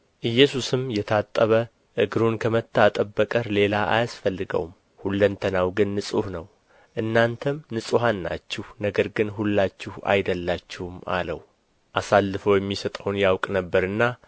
ኢየሱስም የታጠበ እግሩን ከመታጠብ በቀር ሌላ አያስፈልገውም ሁለንተናው ግን ንጹሕ ነው እናንተም ንጹሐን ናችሁ ነገር ግን ሁላችሁ አይደላችሁም አለው አሳልፎ የሚሰጠውን ያውቅ ነበርና